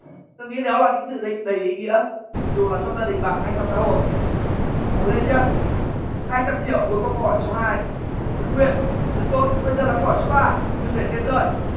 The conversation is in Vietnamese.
tôi nghĩ đó là những dự định đầy ý nghĩa dù là cho gia đình bạn hay cho xã hội cố lên nhá hai trăm triệu vượt qua câu hỏi số hai giữ nguyên rất tốt bây giờ là câu hỏi số ba đừng để tiền rơi